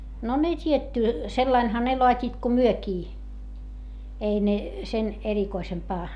no ne tietty sillä laillahan ne laativat kuin mekin ei ne sen erikoisempaa